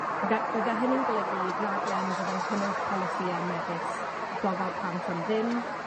ac a- bydde hynny'n golygu raglen fyddai'n cynnwys polisïe megus gofal plant am ddim,